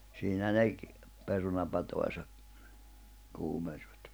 siinä ne - perunapatansa kuumensivat